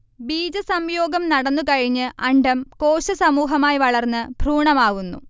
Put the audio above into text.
ബീജസംയോഗം നടന്നുകഴിഞ്ഞ് അണ്ഡം കോശസമൂഹമായി വളർന്ന് ഭ്രൂണമാവുന്നു